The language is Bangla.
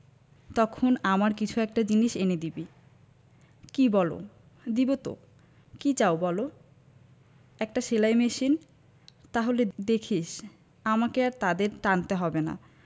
তখন আমার কিছু একটা জিনিস এনে দিবি কি বলো দিবি তো কি চাও বলো একটা সেলাই মেশিন তাহলে দেখিস আমাকে আর তোদের টানতে হবে না